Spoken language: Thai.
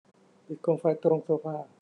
ปิดโคมไฟตรงโซฟา